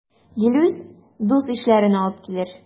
Гелүс дус-ишләрен алып килер.